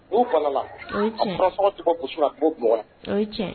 N'u bana na, a fura sɛngɛn tɛ bɔ burusi kɔnɔ a tɛ Bamakɔ.O ye tiɲɛn ye.